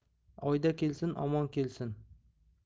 oyda kelsin omon kelsin